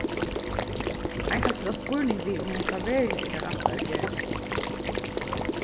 ein kann seta spurning við um hetta veruliga er tað rætta at gera